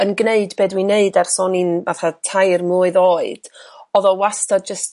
yn g'neud be dwi'n 'neud ers oni'n fatha tair mlwydd oed o'ld o wastad jyst